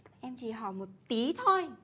em chỉ hỏi một tí thôi